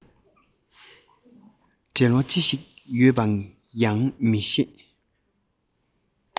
འབྲེལ བ ཅི ཞིག ཡོད པ ཡང མ ཤེས